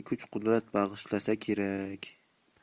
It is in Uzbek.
kuch qudrat bag'ishlasa kerak